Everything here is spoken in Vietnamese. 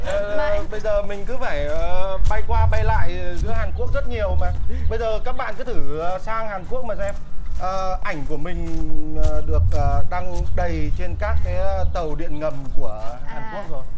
ờ bây giờ mình cứ phải ờ bay qua bay lại giữa hàn quốc rất nhiều mà bây giờ các bạn cứ thử sang hàn quốc mà xem ờ ảnh của mình được đăng đầy trên các cái tàu điện ngầm của hàn quốc rồi